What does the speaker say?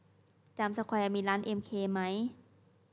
จามสแควร์มีร้านเอ็มเคไหม